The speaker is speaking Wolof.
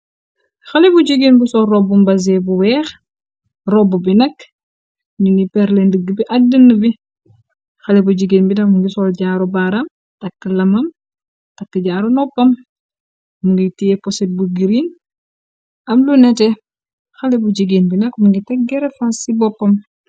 xali bu jigeen bu sool robbu mbasee bu weex robb bi nakk ñu ngi perle ndëgg bi ak dën bi xali bu jigéen binamu ngi sol jaaru baaram takk lamam takk jaaru noppam mu ngiy tée posit bu green am lu nete xali bu jigeen bi nak mu ngi teggere faas ci boppam